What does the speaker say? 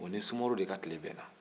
o ni sumaworo de ka tile bɛnna